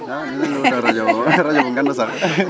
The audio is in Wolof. dinañu la wutal rajo waaw rajo bu ngand sax